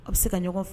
A bɛ se ka ɲɔgɔn fɛ